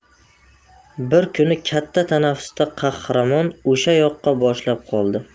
bir kuni katta tanaffusda qahramon o'sha yoqqa boshlab qoldi